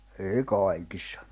ei kaikissa